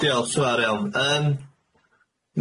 Diolch chwa'r iawn yym.